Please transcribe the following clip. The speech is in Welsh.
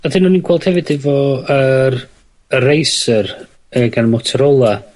Ydyn nw'n 'i gweld hefyd hefo yr y razer , y rei gan Motorolla,